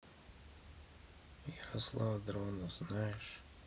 ярослав дронов знаешь